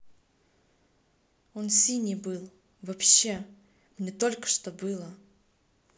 он синий был вообще мне только что было